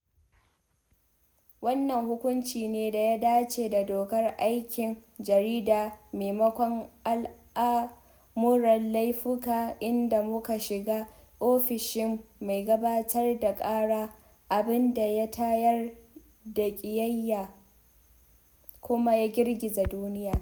Wannan hukunci ne da ya dace da dokar aikin jarida maimakon al’amuran laifuka inda muka shiga ofishin mai gabatar da ƙara, abin da ya tayar da ƙiyayya kuma ya girgiza duniya.